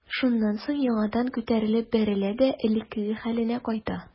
Шуннан соң яңадан күтәрелеп бәрелә дә элеккеге хәленә кайта.